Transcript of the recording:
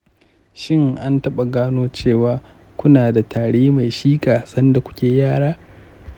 shin an taɓa gano cewa kuna da tari mai shiƙa sanda da kuke yara?